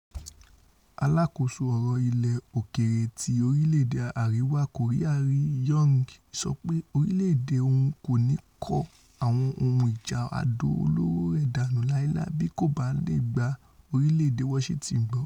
Aláàkóso Ọ̀rọ̀ Ilẹ̀ Òkèèrè ti orílẹ̀-èdè Àrìwá Kòríà Ri Yong sọ pé orílẹ̀-èdè òun kòni kó àwọn ohun ìjà àdó olóro rẹ̀ dánù láilái bí kòbá leè gba orílẹ̀-èdè Washingtọn gbọ́.